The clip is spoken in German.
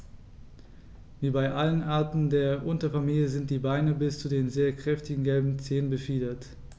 Wie bei allen Arten der Unterfamilie sind die Beine bis zu den sehr kräftigen gelben Zehen befiedert.